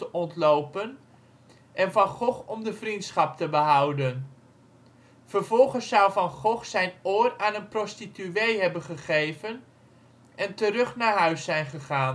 ontlopen en Van Gogh om de vriendschap te behouden. Vervolgens zou Van Gogh zijn oor aan een prostituee hebben gegeven en terug naar huis zijn gegaan. De